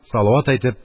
Салават әйтеп,